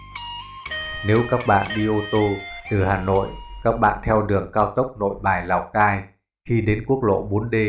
nếu đi ô tô từ hà nội bạn theo đường cao tốc nội bài lào cai khi đến quốc lộ d